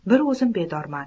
bir o'zim bedorman